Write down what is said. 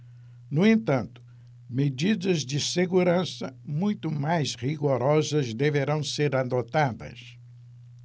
no entanto medidas de segurança muito mais rigorosas deverão ser adotadas